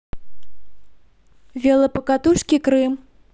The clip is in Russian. велопокатушки крым